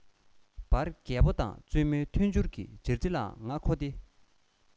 བར རྒྱལ པོ དང བཙུན མོའི མཐུན སྦྱོར གྱི སྦྱར རྩི ལའང ང མཁོ སྟེ